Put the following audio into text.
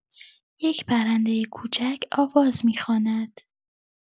یک پرندۀ کوچک آواز می‌خواند.